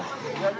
waaw